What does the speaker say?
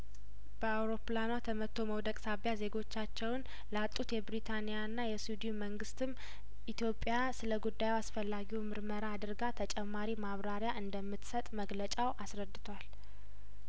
በአውሮፕላኗ ተመትቶ መውደቅ ሳቢያ ዜጐቻቸውን ላጡት የብሪታኒያና የስዊድን መንግስትም ኢትዮጵያ ስለጉዳዩ አስፈላጊውን ምርመራ አድርጋ ተጨማሪ ማብራሪያ እንደምትሰጥ መግለጫው አስረድቷል